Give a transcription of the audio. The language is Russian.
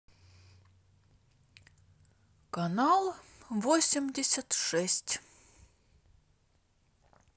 канал восемьдесят шесть